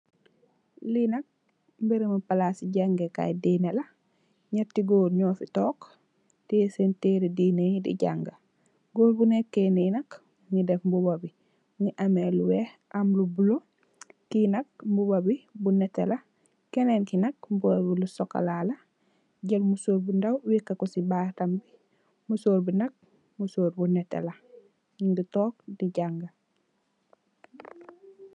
Lii nak bërëbu palaasi jongante Kaay diine la, ñatti góor ñu fi toog, tiye seen tërë dinne di janga, goor bu neeké ni nak, mu ngi amee lu weex, am lu bulo, ki nak mbuba bi, lu nétté la. Kenen ki nak,.. sokolaa la, musóor ...bu nétté la, mu ngi toog di janga.